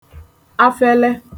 efele